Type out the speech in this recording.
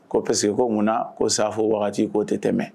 Ko parce que ko mun na ko safo ko'o tɛ tɛmɛ